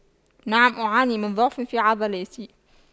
نعم أعاني من ضعف في عضلاتي